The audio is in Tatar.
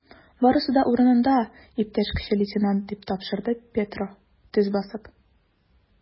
Барысы да урынында, иптәш кече лейтенант, - дип тапшырды Петро, төз басып.